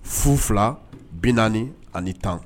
Fu fila bi naani ani tan